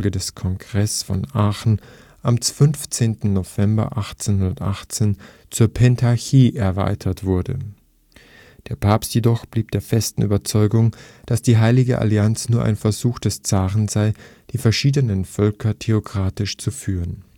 des Kongress von Aachen am 15. November 1818 zur Pentarchie erweitert wurde. Der Papst jedoch blieb der festen Überzeugung, dass die Heilige Allianz nur ein Versuch des Zaren sei, die verschiedenen Völker theokratisch zu führen